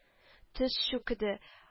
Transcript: Төз чүкеде